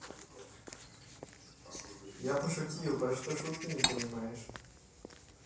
я пошутил про что шутки не понимаешь